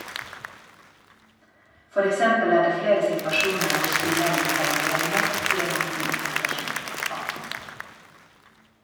For eksempel er det flere situasjoner hvor spillerne feilberegner , sier Morten Ottersen, 18.